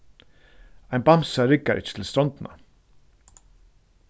ein bamsa riggar ikki til strondina